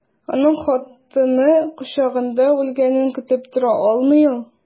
Аның хатыны кочагында үлгәнен көтеп тора алмый ул.